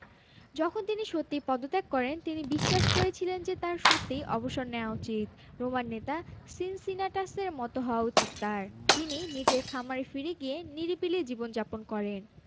যখন তিনি সত্যিই পদত্যাগ করেন তিনি বিশ্বাস করেছিলেন যে তাঁর সত্যিই অবসর নেওয়া উচিত রোমান নেতা সিনসিনাটাসের মতো হওয়া উচিত তাঁর যিনি নিজের খামারে ফিরে গিয়ে নিরিবিলি জীবন যাপন করেন